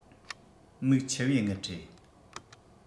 མིག ཆུ བའི དངུལ རེད